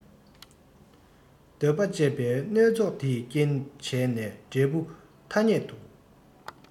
འདོད པ སྤྱད པས མནོལ བཙོག དེས རྐྱེན བྱས ནས འབྲས བུའི ཐ སྙད དུ